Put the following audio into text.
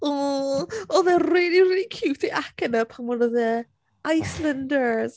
Ww oedd e'n rili, rili ciwt ei acen e pan wedodd e "Islanders".